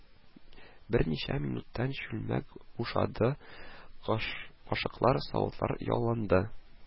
Берничә минуттан чүлмәк бушады, кашыклар, савытлар яланды